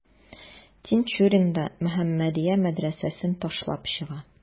Тинчурин да «Мөхәммәдия» мәдрәсәсен ташлап чыга.